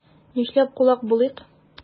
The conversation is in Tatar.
Нишләп кулак булыйк?